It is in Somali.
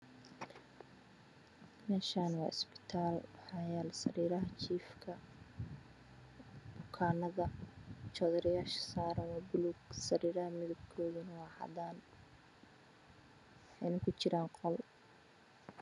Meshaan wa istibal waxa yaala sariiro jiifka bukaanada joridiyasha saar waa buulg sariiha midabkooda waa cadan waxy na ku jiraan qol